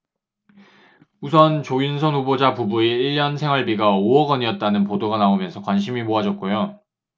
우선 조윤선 후보자 부부의 일 년 생활비가 오 억 원이었다는 보도가 나오면서 관심이 모아졌고요